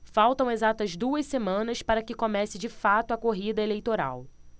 faltam exatas duas semanas para que comece de fato a corrida eleitoral